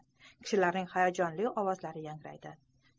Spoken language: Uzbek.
kishilarning hayajonli ovozlari yangraydi